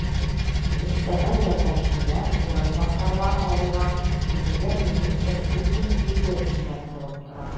Өстәмә ярдәмчеләр, урынбасарлар алуга премьер-министр Путин үзе үрнәк булып тора.